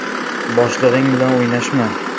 boshlig'ing bilan o'ynashma